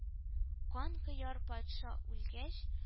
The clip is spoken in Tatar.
Канкояр патша үлгәч